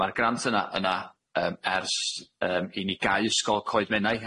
ma'r grant yna yna yym ers yym i ni gau ysgol Coed Menai